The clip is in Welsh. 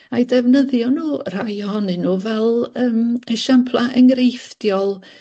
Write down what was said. a'u defnyddio nw rhai ohonyn nw fel yym esiampla enghreifftiol